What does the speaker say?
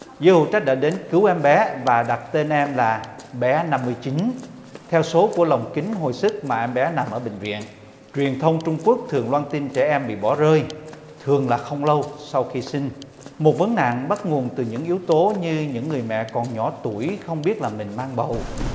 giới hữu trách đã đến cứu em bé và đặt tên em là bé năm mươi chín theo số của lồng kính hồi sức mà em bé nằm ở bệnh viện truyền thông trung quốc thường loan tin trẻ em bị bỏ rơi thường là không lâu sau khi sinh một vấn nạn bắt nguồn từ những yếu tố như những người mẹ còn nhỏ tuổi không biết là mình mang bầu